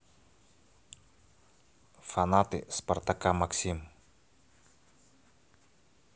фанаты спартака максим